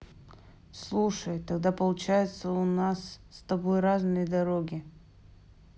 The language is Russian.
слушай тогда получается у нас с тобой разные дороги